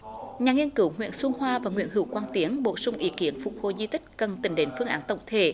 nhà nghiên cứu nguyễn xuân hoa và nguyễn hữu quang tiến bổ sung ý kiến phục hồi di tích cần tính đến phương án tổng thể